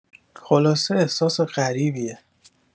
خلاصه احساس غریبیه